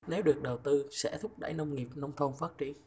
nếu được đầu tư sẽ thúc đẩy nông nghiệp nông thôn phát triển